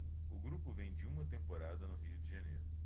o grupo vem de uma temporada no rio de janeiro